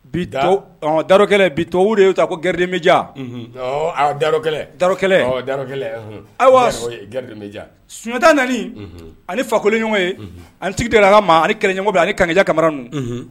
Bi darɔgɛlɛn Tubabuw de yo ko guerre de média darɔgɛlɛn. Ayiwa Sunjata na ni ani Fakoli ye ɲɔgɔn ye ani tigi dela ka ma ani kɛlɛɲɔgɔn bɛ ani kaja kamain ninun